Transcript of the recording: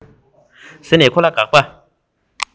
ཟེར ནས ཁོ ལ དགག པ